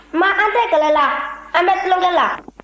ma an tɛ kɛlɛ la an bɛ tulonkɛ la